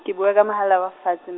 ke bua ka mohala wa fatse m-.